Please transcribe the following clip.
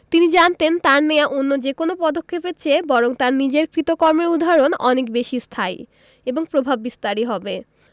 তিনি জানতেন তাঁর নেওয়া অন্য যেকোনো পদক্ষেপের চেয়ে বরং তাঁর নিজের কৃতকর্মের উদাহরণ অনেক বেশি স্থায়ী এবং প্রভাববিস্তারী হবে